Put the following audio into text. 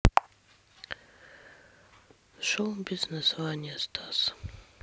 шоу без названия стас